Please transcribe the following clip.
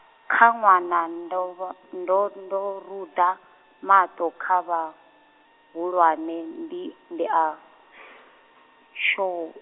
kha ṅwana ndo vha, ndo ndo, ruḓa maṱo kha vhahulwane ndi ndi a, sho-.